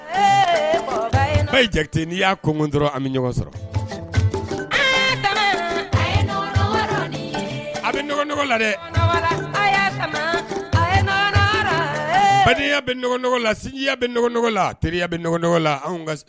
Laya la sya bɛ la teri bɛ la